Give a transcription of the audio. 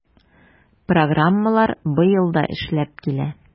Программалар быел да эшләп килә.